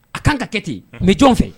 A kaan ka kɛ ten unhun mais jɔn fɛ